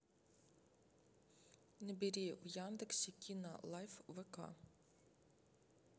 набери в яндексе кинолайф вк